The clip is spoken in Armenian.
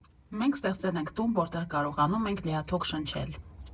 Մենք ստեղծել ենք տուն, որտեղ կարողանում ենք լիաթոք շնչել։